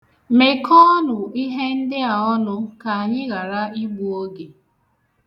Mekọọnụ ihe ndị a ọnụ ka anyị ghara igbu oge.